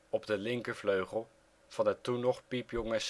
op de linkervleugel van het toen nog piepjonge